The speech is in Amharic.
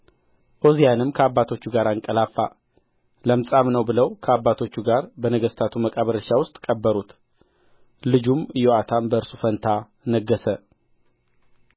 ዖዝያንም ከአባቶቹ ጋር አንቀላፋ ለምጻም ነው ብለውም ከአባቶቹ ጋር በነገሥታቱ መቃብር እርሻ ውስጥ ቀበሩት ልጁም ኢዮአታም በእርሱ ፋንታ ነገሠ